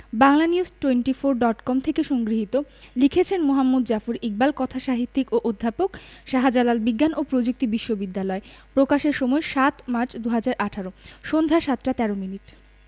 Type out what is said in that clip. Banglanews twenty four dot com থেকে সংগৃহীত লিখেছেন মুহাম্মদ জাফর ইকবাল কথাসাহিত্যিক ও অধ্যাপক শাহজালাল বিজ্ঞান ও প্রযুক্তি বিশ্ববিদ্যালয় প্রকাশের সময় ০৭মার্চ ২০১৮ সন্ধ্যা ৭টা ১৩ মিনিট